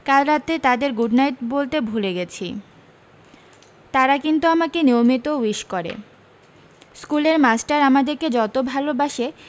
কাল রাতে তাদের গুড নাইট বলতে ভুলে গেছি তারা কিন্তু আমাকে নিয়মিত উইস করে স্কুলের মাস্টার আমাদেরকে যত ভালোবাসে